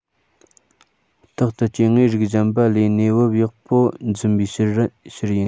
རྟག ཏུ སྐྱེ དངོས རིགས གཞན པ ལས གནས བབ ཡག པོ འཛིན པའི ཕྱིར ཡིན